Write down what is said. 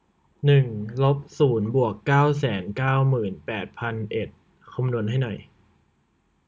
หนึ่งลบศูนย์บวกเก้าแสนเก้าหมื่นแปดพันเอ็ดคำนวณให้หน่อย